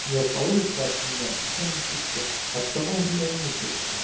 Нет, Володя старше меня; а я меньше всех: оттого он меня и мучит.